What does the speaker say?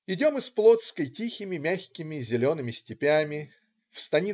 " Идем из Плотской тихими, мягкими, зелеными степями. В ст.